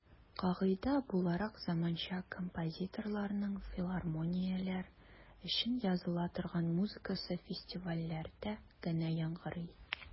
Кагыйдә буларак, заманча композиторларның филармонияләр өчен языла торган музыкасы фестивальләрдә генә яңгырый.